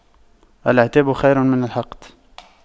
العتاب خير من الحقد